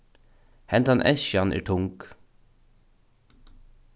hendan eskjan er tung